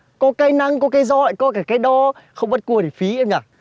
có cái nắng có cái gió lại có cả cái đó không bắt cua thì phí em nhờ